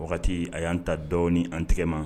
Wagati a y'an ta dɔɔnin an tɛgɛ ma